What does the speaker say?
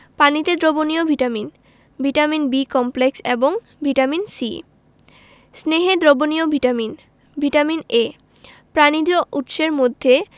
পানিতে দ্রবণীয় vitamin vitamin B complex এবং ভিটামিন সি স্নেহে দ্রবণীয় ভিটামিন ভিটামিন এ প্রাণিজ উৎসের মধ্যে